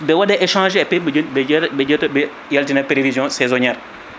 ɓe waɗay échangé e pays ji ɓe ɓe ƴetta ɓe jaltina prévision saisonniére